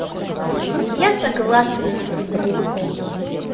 я согласен на судьбу